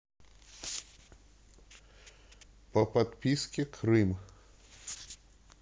по подписке крым